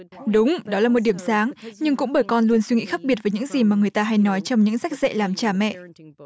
đúng đó là một điểm sáng nhưng cũng bởi con luôn suy nghĩ khác biệt với những gì mà người ta hay nói trong những sách dạy làm cha mẹ